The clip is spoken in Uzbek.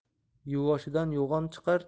yuvvoshdan yo'g'on chiqar